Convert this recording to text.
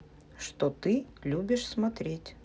что ты любишь смотреть